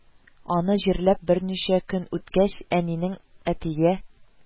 Аны җирләп берничә көн үткәч, әнинең әтигә: